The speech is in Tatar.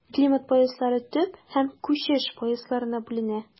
Климат пояслары төп һәм күчеш поясларына бүленә.